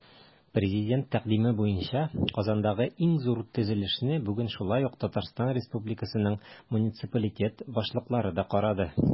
Президент тәкъдиме буенча Казандагы иң зур төзелешне бүген шулай ук ТР муниципалитет башлыклары да карады.